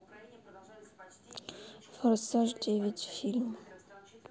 форсаж девять фильм